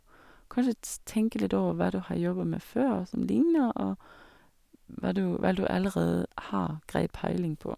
Kanskje ts tenke litt over hva du har jobba med før, som ligner, og hva du hva du allerede har grei peiling på.